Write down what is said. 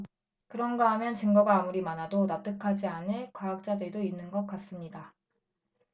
그런가 하면 증거가 아무리 많아도 납득하지 않을 과학자들도 있는 것 같습니다